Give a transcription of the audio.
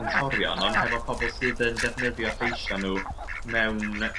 cantorion ond hefo pobol sydd yn defnyddio lleisia' n'w mewn